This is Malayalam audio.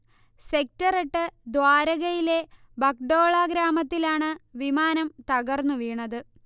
സെക്ടർ എട്ട് ദ്വാരകയിലെ ബഗ്ഡോള ഗ്രാമത്തിലാണ് വിമാനം തകർന്നുവീണത്